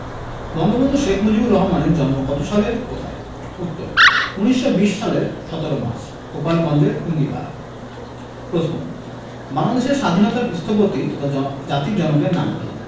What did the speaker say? বঙ্গবন্ধু শেখ মুজিবুর রহমানের জন্ম কত সালে কোথায় উত্তর ১৯২০ সালের ১৭ মার্চ গোপালগঞ্জের টুঙ্গিপাড়ায় প্রশ্ন বাংলাদেশের স্বাধীনতার স্থপতি তথা জাতির জনকের নাম কী